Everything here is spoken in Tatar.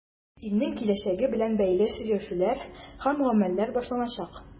Илнең киләчәге белән бәйле сөйләшүләр һәм гамәлләр башланачак.